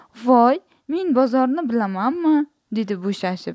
voy men bozorni bilamanmi dedi bo'shashib